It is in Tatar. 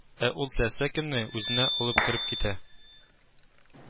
Ә ул теләсә кемне үзенә алып кереп китә